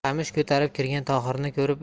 qamish ko'tarib kirgan tohirni ko'rib